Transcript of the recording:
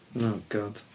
Oh God.